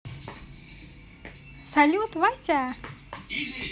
салют вася